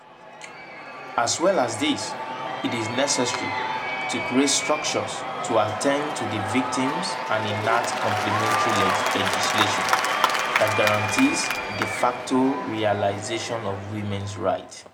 As well as this, it is necessary to create structures to attend to the victims and enact complementary legislation that guarantees de facto realization of women’s rights.